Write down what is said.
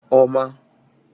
ọma